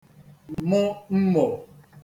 mụ mmò